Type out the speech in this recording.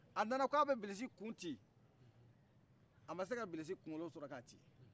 a nana k'abɛ bilisi kun ti a ma se ka bilisi kungolo sɔrɔ k'a ti